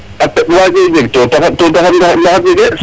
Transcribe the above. A teƥ wagee jeg to taxar to taxar njegee